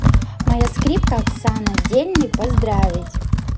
моя скрипка оксана дельный поздравить